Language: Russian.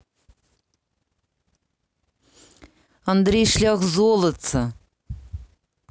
андрей шлях золотце